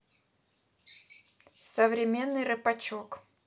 современный рэпачок